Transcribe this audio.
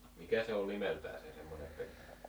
mikä se oli nimeltään se semmoinen vehje